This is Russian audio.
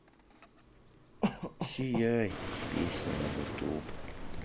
сияй песня на ютуб